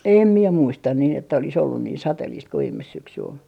en minä muista niin että olisi ollut niin sateista kuin viime syksy oli